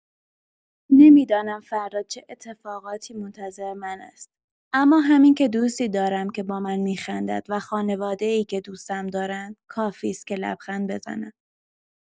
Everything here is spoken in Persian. نمی‌دانم فردا چه اتفاقاتی منتظر من است، اما همین که دوستی دارم که با من می‌خندد و خانواده‌ای که دوستم دارند، کافی است که لبخند بزنم.